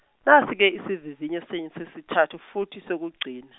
nasi ke isivivinyo senu sesithathu futhi sokugcina.